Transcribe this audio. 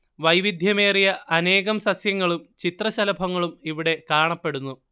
വൈവിദ്ധ്യമേറിയ അനേകം സസ്യങ്ങളും ചിത്രശലഭങ്ങളും ഇവിടെ കാണപ്പെടുന്നു